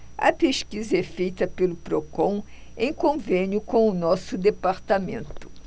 a pesquisa é feita pelo procon em convênio com o diese